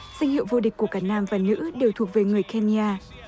danh hiệu vô địch của cả nam và nữ đều thuộc về người ken ni a